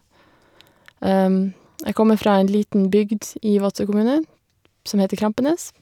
Jeg kommer fra en liten bygd i Vadsø kommune som heter Krampenes.